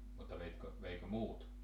mutta veikö veikö muuta